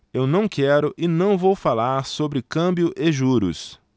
eu não quero e não vou falar sobre câmbio e juros